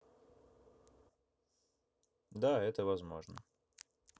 да это возможно